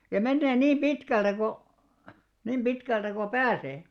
ja menee niin pitkältä kuin niin pitkältä kuin pääsee